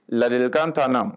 Ladilikan 10 nan